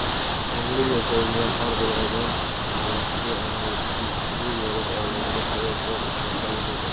ongli yashaydigan har bir odam yaxshi anglaydiki bu yorug' olamda hayot bor ekan oila bor